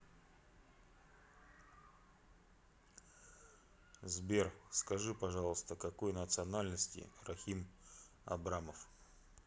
сбер скажи пожалуйста какой национальности рахим абрамов